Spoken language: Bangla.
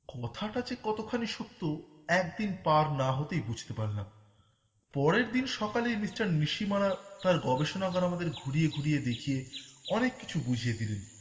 কথাটা যে কতখানি সত্য একদিন পার না হতেই বুঝতে পারলাম পরের দিন সকালেই মিস্টার নিশিমারা তার গবেষণাগার আমাদের ঘুরিয়ে ঘুরিয়ে দেখিয়ে অনেক কিছু বুঝিয়ে দিলেন